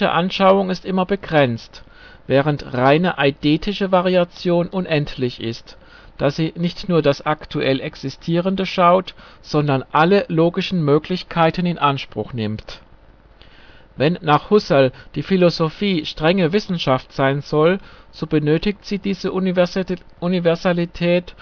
Anschauung ist immer begrenzt, während reine eidetische Variation unendlich ist, da sie nicht nur das aktuell Existierende schaut, sondern alle logischen Möglichkeiten in Anspruch nimmt. Wenn nach Husserl die Philosophie strenge Wissenschaft sein soll, so benötigt sie diese Universalität und die durch ihr gegebene